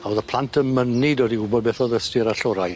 A o'dd y plant yn mynnu dod i wbod beth o'dd ystyr allorau.